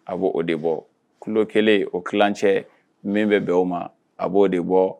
A bɔ o de bɔ tulo kelen o ki cɛ min bɛ bɛn o ma a b' oo de bɔ